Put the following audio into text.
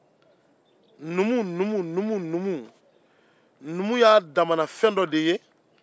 numu y'a damana fɛn dɔ de ye